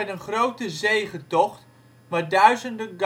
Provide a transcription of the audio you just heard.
een grote zegetocht waar duizenden